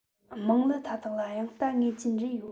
དམངས གླུ མཐའ དག ལ དབྱངས རྟ ངེས ཅན རེ ཡོད